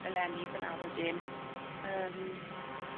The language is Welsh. eleni fyn 'na wedyn. Yym.